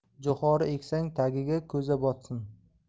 jo'xori eksang tagiga ko'za botsin